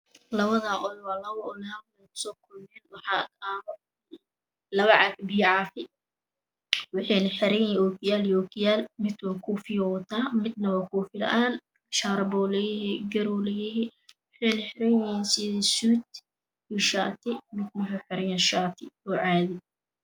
Lapadaan waalaba odey oo meshaa ku soo kulme waxaa agtaalo laba caag biyo caafi waxiina xiran yihiin ookiyaal iyo ookiyaal mid koofiyuu wataa midan waa koofi laan sharpuu leyahee garuu leyahee waxiina xiran yihiin suud iyo shaati mid waxa uu xiranyahe shati oo cadi aah